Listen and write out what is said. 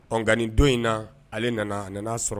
Ɔ nka ni don in na, ale nana a nana sɔrɔ